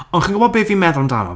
Ond chi'n gwybod be fi'n meddwl amdano.